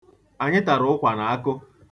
Anyị tara ụkwa na akụ.